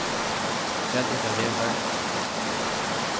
hvat eta revar